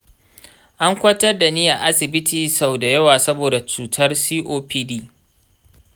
an kwantar da ni a asibiti sau da yawa saboda cutar copd.